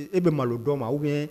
E bɛ malo dɔ ma ou bien